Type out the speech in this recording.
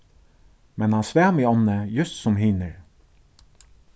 men hann svam í ánni júst sum hinir